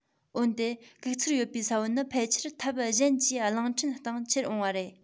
འོན ཏེ གུག ཚེར ཡོད པའི ས བོན ནི ཕལ ཆེར ཐབས གཞན གྱིས གླིང ཕྲན སྟེང ཁྱེར འོངས པ རེད